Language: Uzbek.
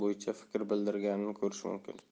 bo'yicha fikr bildirganini ko'rish mumkin